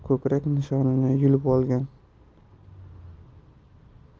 ko'krak nishonini yulib olgan